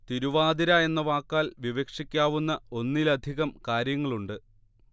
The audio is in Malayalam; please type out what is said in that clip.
തിരുവാതിര എന്ന വാക്കാൽ വിവക്ഷിക്കാവുന്ന ഒന്നിലധികം കാര്യങ്ങളുണ്ട്